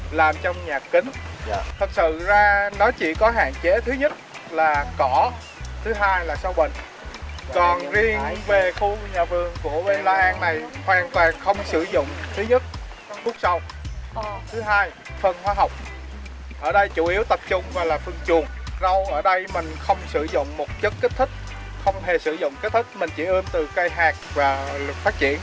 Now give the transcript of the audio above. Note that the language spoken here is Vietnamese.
làm trong nhà kính dạ thực sự ra nó chỉ có hạn chế thứ nhất là cỏ thứ hai là cao bình còn riêng về khu nhà vườn của bê la anh này hoàn toàn không sử dụng thứ nhất các bước sau thứ hai phân hóa học ở đây chủ yếu tập trung và làm phân chuồng rau ở đây mình không sử dụng một chất kích thích không hề sử dụng cách thức mình chỉ ươm từ cây hạt và phát triển